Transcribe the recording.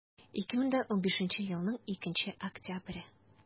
2015 елның 2 октябре